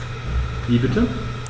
Wie bitte?